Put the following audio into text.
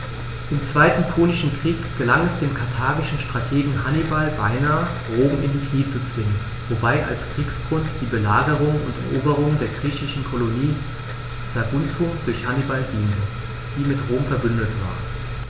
Im Zweiten Punischen Krieg gelang es dem karthagischen Strategen Hannibal beinahe, Rom in die Knie zu zwingen, wobei als Kriegsgrund die Belagerung und Eroberung der griechischen Kolonie Saguntum durch Hannibal diente, die mit Rom „verbündet“ war.